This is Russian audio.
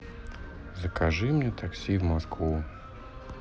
закажи мне такси в москву